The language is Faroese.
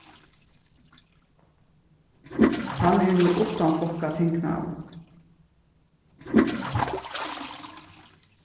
hann er nú uttanflokkatingmaður